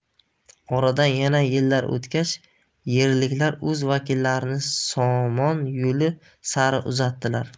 oradan yana yillar o'tgach yerliklar o'z vakillarini somon yo'li sari uzatdilar